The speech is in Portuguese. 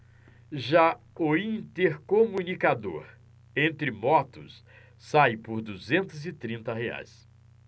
já o intercomunicador entre motos sai por duzentos e trinta reais